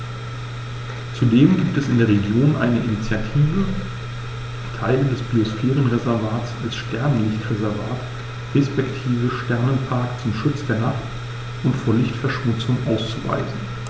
Zudem gibt es in der Region eine Initiative, Teile des Biosphärenreservats als Sternenlicht-Reservat respektive Sternenpark zum Schutz der Nacht und vor Lichtverschmutzung auszuweisen.